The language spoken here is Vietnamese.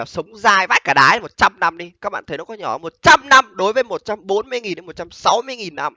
sống dai vãi cả đái một trăm năm đi các bạn thấy có nhỏ không một trăm năm đối với một trăm bốn mươi nghìn hay một trăm sáu mươi nghìn năm